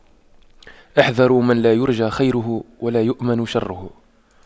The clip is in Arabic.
احذروا من لا يرجى خيره ولا يؤمن شره